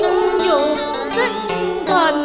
ơn